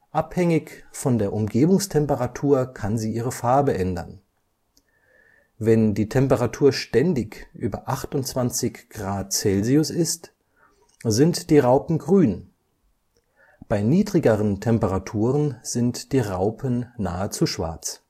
Abhängig von der Umgebungstemperatur, kann sie ihre Farbe ändern: Wenn die Temperatur ständig über 28 Grad Celsius ist, sind die Raupen grün, bei niedrigeren Temperaturen sind die Raupen nahezu schwarz